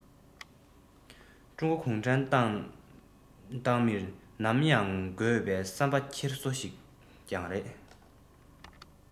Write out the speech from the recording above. ཀྲུང གོའི གུང ཁྲན ཏང མིར ནམ ཡང དགོས པའི བསམ པའི འཁྱེར སོ ཞིག ཀྱང རེད